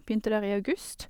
Begynte der i august.